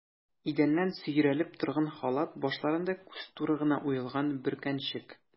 Идәннән сөйрәлеп торган халат, башларында күз туры гына уелган бөркәнчек.